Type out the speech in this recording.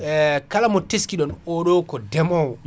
ee kala mo teskiɗon oɗo ko deemowo